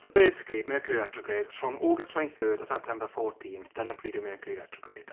So basically, Mercury retrograde rhwng August 23rd a September 14th dyna pryd yw Mercury retrograde.